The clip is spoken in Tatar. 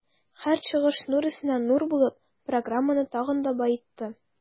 Һәр чыгыш нур өстенә нур булып, программаны тагын да баетты.